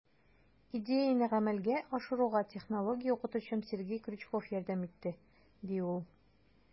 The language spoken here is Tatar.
Идеяне гамәлгә ашыруга технология укытучым Сергей Крючков ярдәм итте, - ди ул.